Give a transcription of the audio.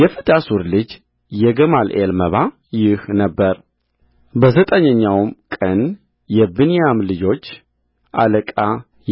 የፍዳሱር ልጅ የገማልኤል መባ ነበረበዘጠነኛውም ቀን የብንያም ልጆች አለቃ